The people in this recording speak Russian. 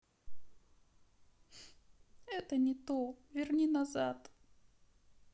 это не то верни назад